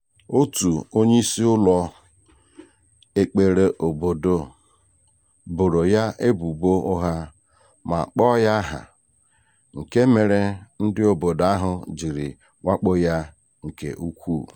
Otu onyeisi ụlọ ekpere obodo boro ya ebubo ụgha, ma kpọ ya aha, nke mere ndị obodo ahụ jiri wakpo ya nke ukwuu.